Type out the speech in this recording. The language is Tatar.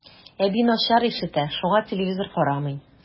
Әби начар ишетә, шуңа телевизор карамый.